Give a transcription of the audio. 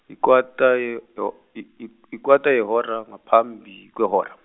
yikwata ye- yo- yi- yi- yikwata yehora, ngaphambi kwehora.